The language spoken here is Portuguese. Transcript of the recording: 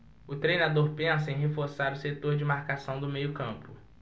o treinador pensa em reforçar o setor de marcação do meio campo